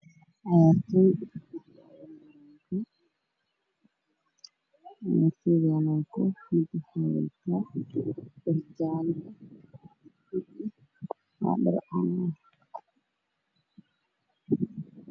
Waa ciyaartoy da dheelaayo fanaanada jaale fanaanado cagaar banaanka waxaa fadhiya dad badan oo daawanaya